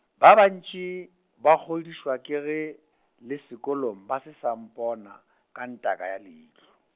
ba bantši, ba kgodišwa ke ge, le sekolong ba se sa mpona, ka ntaka ya leihlo.